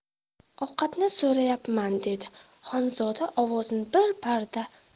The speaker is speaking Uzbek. ovqatni so'rayapman dedi xonzoda ovozini bir parda ko'tarib